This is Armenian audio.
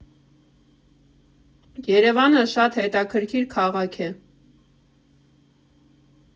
Երևանը շատ հետաքրքիր քաղաք է.